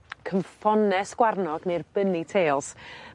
cymffones gwarnog neu'r bunny tails.